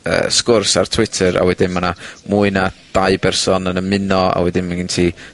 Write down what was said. yy sgwrs ar Twitter, a wedyn ma' 'na mwy na dau berson yn ymuno. A wedyn ma' gen ti